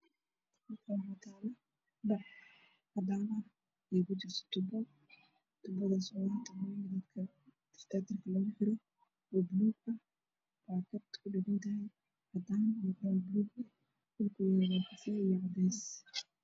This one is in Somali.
Waxaa ii muuqda bac ay ku jirto midabkeedu yahay buluug ee waxa ay saaran tahay meel